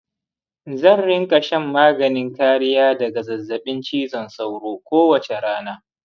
zan rinka shan maganin kariya daga zazzaɓin cizon sauro kowace rana.